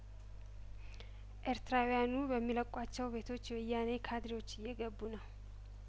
ኤርትራውያኑ በሚለቋቸው ቤቶች የወያኔ ካድሬ ዎቸ እየገቡ ነው